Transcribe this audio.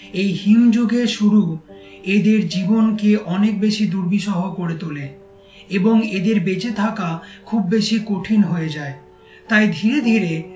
এই হিম যুগের শুরু এদের জীবনকে অনেক বেশি দুর্বিষহ করে তোলে এবং এদের বেঁচে থাকা খুব বেশি কঠিন হয়ে যায় তাই ধীরে ধীরে